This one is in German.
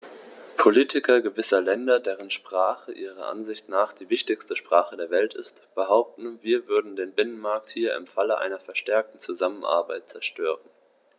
Politiker gewisser Länder, deren Sprache ihrer Ansicht nach die wichtigste Sprache der Welt ist, behaupten, wir würden den Binnenmarkt hier im Falle einer verstärkten Zusammenarbeit zerstören.